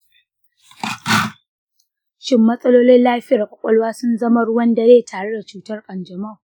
shin matsalolin lafiyar ƙwaƙwalwa sun zama ruwan dare tare da cutar kanjamau?